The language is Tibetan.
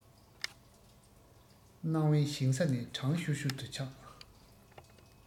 སྣང བའི ཞིང ས ནས གྲང ཤུར ཤུར དུ ཆག